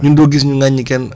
ñun doo gis ñu ŋàññi kenn